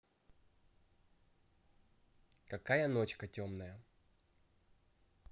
какая ночька темная